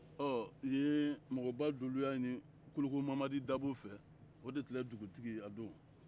ɔ yen mɔgɔba dɔ de y'a ye kologomamadi fɛ o de tun ye dugutigi ye a don